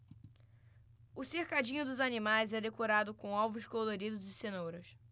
o cercadinho dos animais é decorado com ovos coloridos e cenouras